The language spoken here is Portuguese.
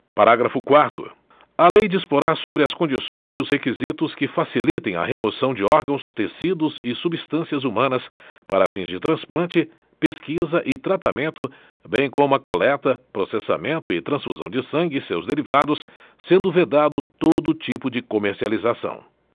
parágrafo quarto a lei disporá sobre as condições e os requisitos que facilitem a remoção de órgãos tecidos e substâncias humanas para fins de transplante pesquisa e tratamento bem como a coleta processamento e transfusão de sangue e seus derivados sendo vedado todo tipo de comercialização